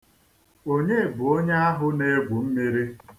Onye bụ onye ahụ na-egwu mmiri?